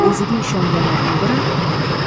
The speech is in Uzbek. deb o'ziga ishonganlarning biri